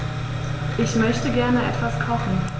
Ich möchte gerne etwas kochen.